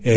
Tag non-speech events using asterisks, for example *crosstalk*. *hesitation* *hesitation*